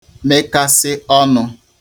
mekasī ọnụ